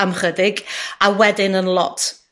am ychydig, a wedyn yn lot